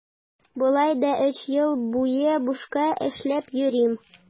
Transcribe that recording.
Болай да өч ел буе бушка эшләп йөрим.